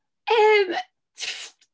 Yym, tff...